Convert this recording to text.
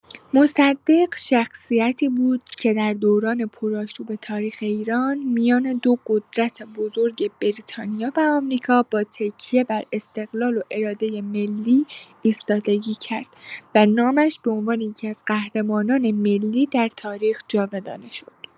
مصدق شخصیتی بود که در دوران پرآشوب تاریخ ایران، میان دو قدرت بزرگ بریتانیا و آمریکا با تکیه بر استقلال و اراده ملی ایستادگی کرد و نامش به‌عنوان یکی‌از قهرمانان ملی در تاریخ جاودانه شد.